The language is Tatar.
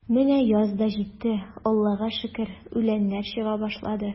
Менә яз да житте, Аллага шөкер, үләннәр чыга башлар.